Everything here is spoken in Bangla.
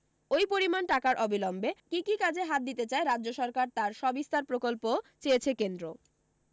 ওই পরিমাণ টাকায় অবিলম্বে কী কী কাজে হাত দিতে চায় রাজ্য সরকার তার সবিস্তার প্রকল্পও চেয়েছে কেন্দ্র